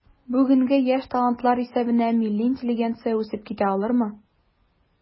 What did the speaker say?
Бүгенге яшь талантлар исәбенә милли интеллигенция үсеп китә алырмы?